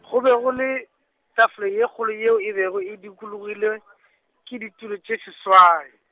go be go le, tafola ye kgolo yeo e bego e dukologilwe, ke ditulo tše seswai.